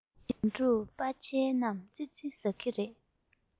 ཞིམ ཕྲུག པྲ ཆལ རྣམས ཙི ཙིས ཟ གི རེད